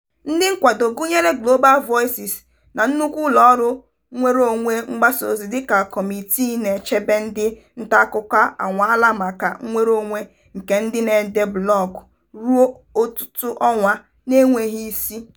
Ndị nkwado gụnyere Global Voices na nnukwu ụlọọrụ nnwereonwe mgbasaozi dịka Kọmitii na-echebe ndị ntaakụkọ anwaala maka nnwereonwe nke ndị na-ede blọọgụ ruo ọtụtụ ọnwa, n'enweghị isi.